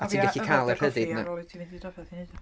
Cofia yfed dy goffi ar ôl i ti fynd i trafferth i neud o.